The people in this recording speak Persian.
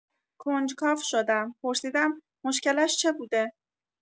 کنجکاو شدم؛ پرسیدم مشکلش چه بوده؟